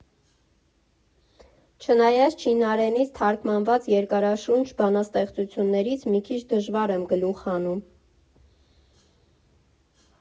Չնայած չինարենից թարգմանված երկարաշունչ «բանաստեղծություններից» մի քիչ դժվար եմ գլուխ հանում։